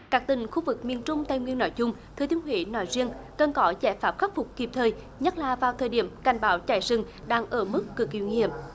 các tỉnh khu vực miền trung tây nguyên nói chung thừa thiên huế nói riêng cần có giải pháp khắc phục kịp thời nhất là vào thời điểm cảnh báo cháy rừng đang ở mức cực kỳ nguy hiểm